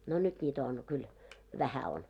no nyt niitä on kyllä vähän on